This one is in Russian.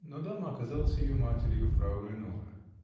но дама оказалась ее матерью -- фрау Леноре.